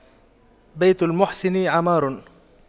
بيت المحسن عمار